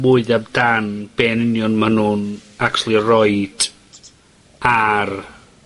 mwy amdan be' yn union ma' nwn actually roid ar